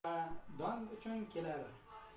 qush tuzoqqa don uchun kelar